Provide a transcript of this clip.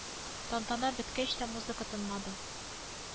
Кем соң ул шуның хәтле?